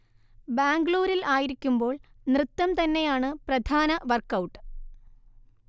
ബാംഗ്ലൂരിൽ ആയിരിക്കുമ്ബോൾ നൃത്തംതന്നെയാണ് പ്രധാന വർക്ക് ഔട്ട്